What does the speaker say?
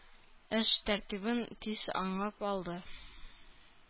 Эш тәртибен тиз аңлап алды.